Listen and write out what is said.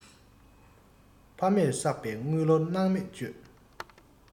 ཕ མས བསགས པའི དངུལ ལོར སྣང མེད སྤྱོད